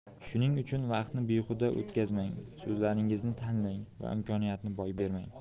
shuning uchun vaqtni behuda o'tkazmang so'zlaringizni tanlang va imkoniyatni boy bermang